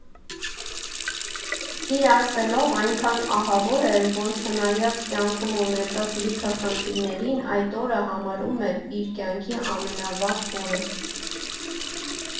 Իր ասելով՝ այնքան ահավոր էր, որ չնայած կյանքում ունեցած լիքը խնդիրներին՝ այդ օրը համարում է իր կյանքի ամենավատ օրը։